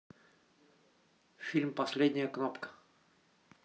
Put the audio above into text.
фильм последняя кнопка